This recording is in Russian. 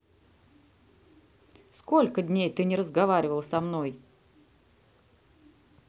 сколько дней ты не разговаривал со мной